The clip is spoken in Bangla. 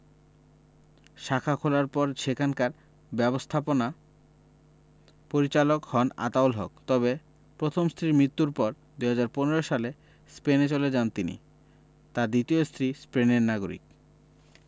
শাখা খোলার পর সেখানকার ব্যবস্থাপনা পরিচালক হন আতাউল হক তবে প্রথম স্ত্রীর মৃত্যুর পর ২০১৫ সালে স্পেনে চলে যান তিনি তাঁর দ্বিতীয় স্ত্রী স্পেনের নাগরিক